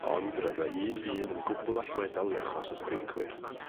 Ond ro'dd 'na un dyn yn gwbwl allweddol i achos y streicwyr.